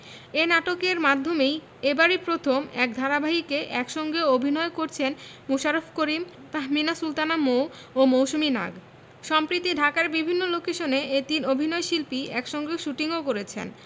এ নাটকের মাধ্যমেই এবারই প্রথম এক ধারাবাহিকে একসঙ্গে অভিনয় করছেন মোশাররফ করিম তাহমিনা সুলতানা মৌ ও মৌসুমী নাগ সম্প্রিতি ঢাকার বিভিন্ন লোকেশনে এ তিন অভিনয়শিল্পী একসঙ্গে শুটিংও করেছেন